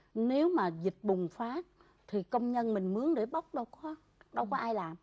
nếu mà dịch bùng phát thì công nhân mình mướn để bóc đâu có đâu có ai làm